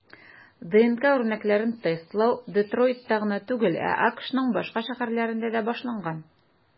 ДНК үрнәкләрен тестлау Детройтта гына түгел, ә АКШның башка шәһәрләрендә дә башланган.